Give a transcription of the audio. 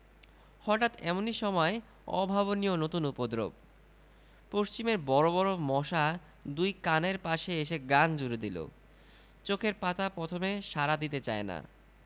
হঠাৎ এমনি সময় অভাবনীয় নতুন উপদ্রব পশ্চিমের বড় বড় মশা দুই কানের পাশে এসে গান জুড়ে দিলে চোখের পাতা প্রথমে সাড়া দিতে চায় না